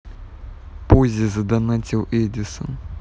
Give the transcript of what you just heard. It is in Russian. поззи задонатил эдисон